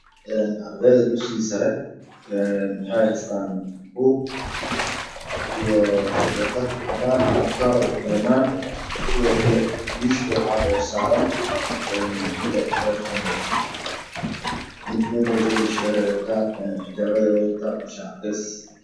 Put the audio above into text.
Waa school waxaa joogo gabdho cashar ayay qorayaan waxay wata xijaabo midabkoodu yahay caddaysi